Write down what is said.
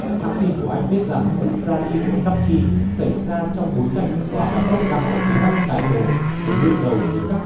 hãng tin của anh viết rằng sự ra đi của đóc ki xảy ra trong bối cảnh tòa bạch ốc đang có kế hoạch cải tổ để đương đầu với các